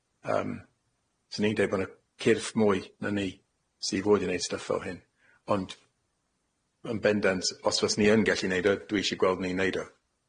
Yym sy ni'n deu' bo' na cyrff mwy na ni sy fod i neud stuff fel hyn. Ond yn bendant os fyswn i yn gallu neud o, dwi isie gweld ni'n neud o.